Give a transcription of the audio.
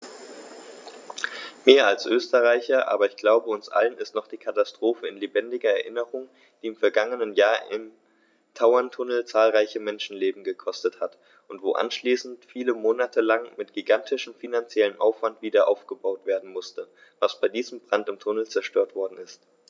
Mir als Österreicher, aber ich glaube, uns allen ist noch die Katastrophe in lebendiger Erinnerung, die im vergangenen Jahr im Tauerntunnel zahlreiche Menschenleben gekostet hat und wo anschließend viele Monate lang mit gigantischem finanziellem Aufwand wiederaufgebaut werden musste, was bei diesem Brand im Tunnel zerstört worden ist.